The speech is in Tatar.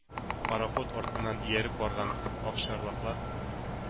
Пароход артыннан ияреп барган акчарлаклар,